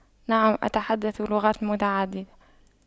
نعم أتحدث لغات متعددة